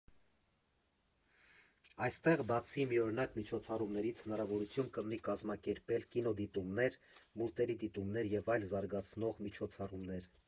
Այստեղ, բացի միօրինակ միջոցառումներից, հնարավորություն կլինի կազմակերպել կինոդիտումներ, մուլտերի դիտումներ և այլ զարգացնող միջոցառումներ։